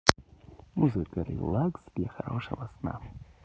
музыка релакс для хорошего сна